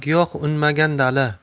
giyoh unmagan dala